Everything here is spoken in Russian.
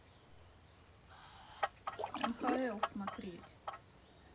нхл смотреть